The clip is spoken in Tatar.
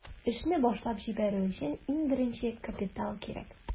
Эшне башлап җибәрү өчен иң беренче капитал кирәк.